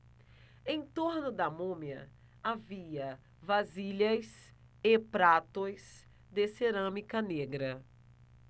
em torno da múmia havia vasilhas e pratos de cerâmica negra